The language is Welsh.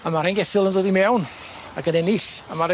a ma'r hein geffyl yn ddod i mewn ag yn ennill a ma'